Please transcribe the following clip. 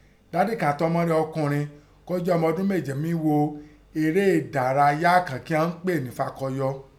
Dádì kàn àtin ọmọ rẹ̀ ọkùnrin kọ́ jẹ́ ọmọ ọdún méje mí gho iré ẹ̀dárayá kàn kín inọ́n mí pè nẹ́ Fakọyọ.